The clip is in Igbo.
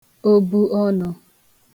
obuọnụ